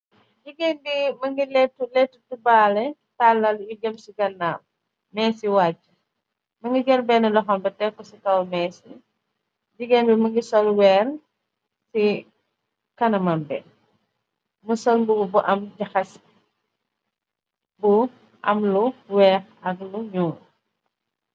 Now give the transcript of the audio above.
Jigéen bi mëngi lettu lettu tubaale tàllal yu gem ci gànnaaw meesi wàcc. Mëngi jal benn loham bi tekk ko ci kaw mees bi. Jigéen bi mëngi sol weer ci kana mam bi, mëngi sol mubu bu am jahas bu am lu weeh ak lu ñuul.